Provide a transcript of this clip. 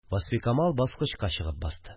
Васфикамал баскычка чыгып басты